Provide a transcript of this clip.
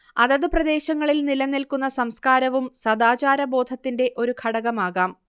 അതത് പ്രദേശങ്ങളിൽ നിലനിൽക്കുന്ന സംസ്കാരവും സദാചാരബോധത്തിന്റെ ഒരു ഘടകമാകാം